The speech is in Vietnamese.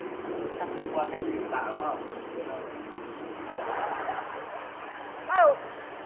chắc đêm qua xem gì bậy bạ đúng không giờ không dựng thẳng cổ ơ